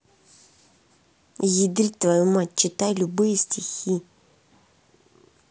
едрить твою мать читай любые стихи